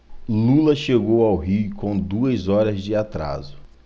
lula chegou ao rio com duas horas de atraso